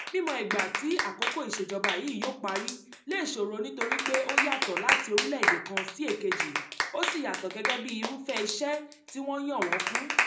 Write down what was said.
Mímọ ìgbà tí àkókò ìṣèjọba yìí yóò parí le ṣòro nítorí pé ó yàtọ̀ láti orílẹ̀ èdè kan sí èkejì ó ṣí yàtọ̀ gẹ́gẹ́ bíi irúfẹ́ iṣẹ́ tí wọ́n yàn wọ́n fún.